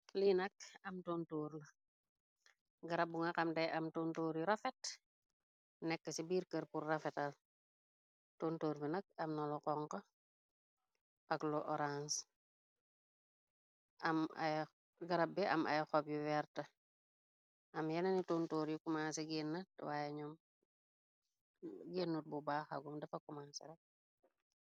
Lii nak am tontoor la, garab bu nga xam de am tontoor yu rafet, nekk ci biir kër pur rafetal, tontoor bi nak am na lu xonxu, ak lu oraans, am ay, garab bi am ay xob yu werta, am yena ni tontoor yu kumanse gene, waaye ñoom gennut bu baax agum defa kumanse rek.